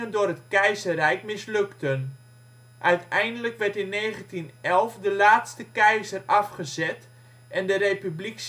door het keizerrijk mislukten. Uiteindelijk werd in 1911 de laatste keizer afgezet en de Republiek